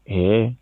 Un